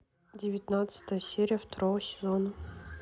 девятнадцатая серия второго сезона